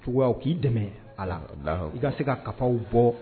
Wa u k'i dɛmɛ a la Alahakubar i ka se ka kafaw bɔ